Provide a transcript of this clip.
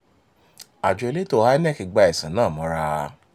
Àjọ Elétò (INEC) gba ẹ̀sùn náà mọ́ra.